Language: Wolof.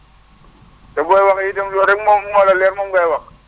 te booy wax itam loolu rek moo moo la leer moom ngay wax